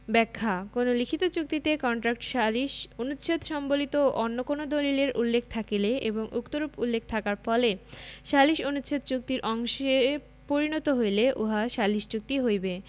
ব্যাখ্যাঃ কোন লিখিত চুক্তিতে কন্ট্রাক্ট সালিস অনুচ্ছেদ সম্বলিত অন্য কোন দালিলের উল্লেখ থাকিলে এবং উক্তরূপ উল্লেখ থাকার ফলে সালিস অনুচ্ছেদ চুক্তির অংশে পরিণত হইলে উহা সালিস চুক্তি হইবে